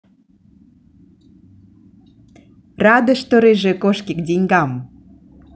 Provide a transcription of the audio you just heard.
рада что рыжие кошки к деньгам